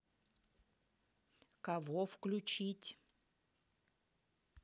кого включить